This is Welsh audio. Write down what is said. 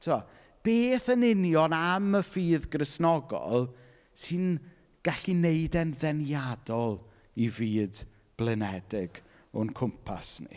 Tibod beth yn union am y ffydd Gristnogol sy'n gallu ei wneud e'n ddeniadol i fyd blinedig o'n cwmpas ni.